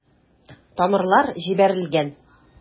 Тамырлар җибәрелгән.